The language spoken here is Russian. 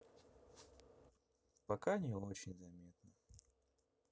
пока не очень заметно